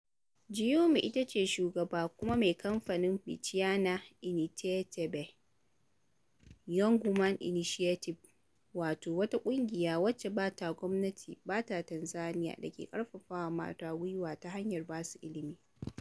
Gyumi ita ce shugaba kuma mai kamfanin Msichana Inititiaɓe (Young Woman Initiatiɓe), wato wata ƙungiya wacce ba ta gwmnati ba a Tanzaniya da ke karfafawa mata gwiwa ta hanyar ba su ilimi.